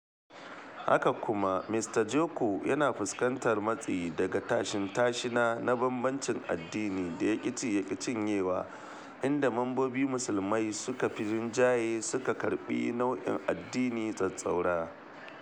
Haka kuma Mista Joko yana fuskantar matsi daga tashin-tashina na banbanci addini da ya-ƙi-ci-ya-ƙi-cinyewa, inda mamobin Musulmai da suka fi rinjaye suka karɓi nau’in addini tsatstsaura.